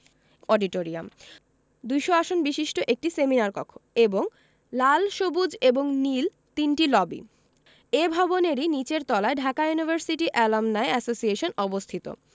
auditorium ২০০ আসন বিশিষ্ট একটি সেমিনার কক্ষ এবং লাল সবুজ এবং নীল তিনটি লবি এ ভবনেরই নিচের তলায় ঢাকা ইউনিভার্সিটি এলামনাই এসোসিয়েশন অবস্থিত